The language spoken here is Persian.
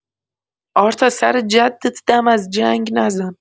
آرتا سر جدت دم از جنگ نزن